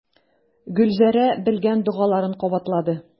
Гөлзәрә белгән догаларын кабатлады.